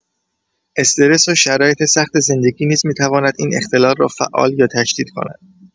استرس و شرایط سخت زندگی نیز می‌تواند این اختلال را فعال یا تشدید کند.